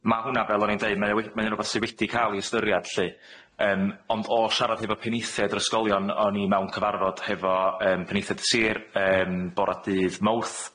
Ma' hwnna fel o'n i'n deud, mae o we- mae o rwbath sy wedi ca'l 'i ystyriad lly. Yym ond o siarad hefo'r penaethiaid yr ysgolion, o'n i mewn cyfarfod hefo yym penaethiaid y sir yym bore dydd Mowrth,